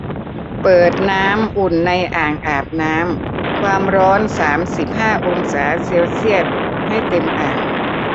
เปิดน้ำอุ่นในอ่างอาบน้ำความร้อนสามสิบห้าองศาเซลเซียสให้เต็มอ่าง